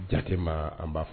Ja ma an b'a fɔ